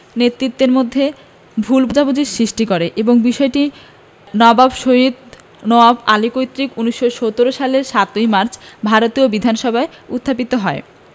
নেতৃত্বের মধ্যে ভুল বোঝাবুঝির সৃষ্টি করে এবং বিষয়টি নবাব সৈয়দ নওয়াব আলী কর্তৃক ১৯১৭ সালের ৭ মার্চ ভারতীয় বিধানসভায় উত্থাপিত হয়